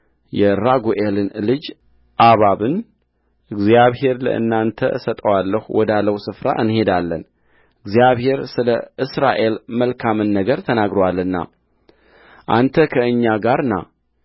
የራጉኤልን ልጅ ኦባብን እግዚአብሔር ለእናንተ እሰጠዋለሁ ወዳለው ስፍራ እንሄዳለን እግዚአብሔር ስለ እስራኤል መልካምን ነገር ተናግሮአልና አንተ ከእኛ ጋር ና